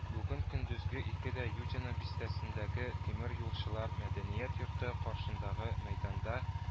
Бүген көндезге ике дә Юдино бистәсендәге Тимер юлчылар Мәдәният йорты каршындагы мәйданда